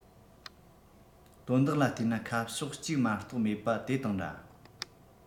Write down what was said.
དོན དག ལ བལྟས ན ཁ ཕྱོགས གཅིག མ གཏོགས མེད པ དེ དང འདྲ